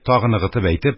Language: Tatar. Тагы ныгытып әйтеп